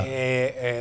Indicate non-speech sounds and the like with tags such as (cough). (hesitation) e